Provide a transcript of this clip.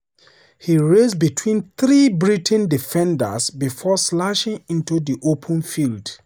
He raced between three Brighton defenders, before slashing into the open field.